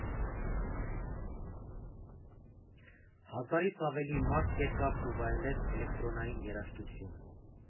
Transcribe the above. Հազարից ավելի մարդ եկավ ու վայելեց էլեկտրոնային երաժշտություն։